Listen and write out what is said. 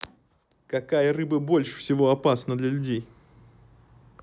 какая рыба больше всего опасно для людей